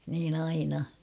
niin aina